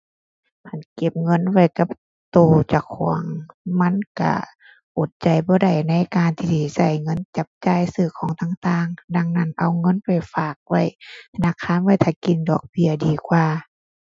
คันเก็บเงินไว้กับตัวเจ้าของ มันตัวอดใจบ่ได้ในการที่สิตัวเงินจับจ่ายซื้อของต่างต่าง ดังนั้นเอาเงินไปฝากไว้ธนาคาร ไว้ท่ากินดอกเบี้ยดีกว่า